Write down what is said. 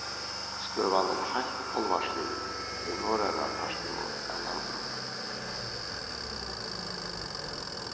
støðan er heilt álvarslig í norðara partinum av landinum